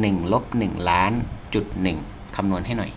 หนึ่งลบหนึ่งล้านจุดหนึ่งคำนวณให้หน่อย